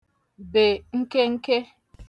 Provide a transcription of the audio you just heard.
bè nkenke